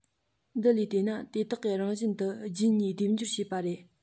འདི ལས བལྟས ན དེ དག གིས རང བཞིན དུ རྒྱུད གཉིས སྡེབ སྦྱོར བྱས པ རེད